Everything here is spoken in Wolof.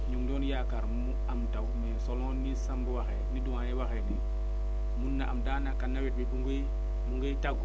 ñu ngi doon yaakaar mu am taw mais selon ni Samb waxee ni doyen waxee niimun na am daanaka nawet bi mu ngi mu ngi tàggu